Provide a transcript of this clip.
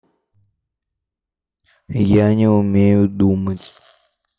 я не умею думать